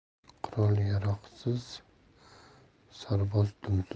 qurol yarog'siz sarboz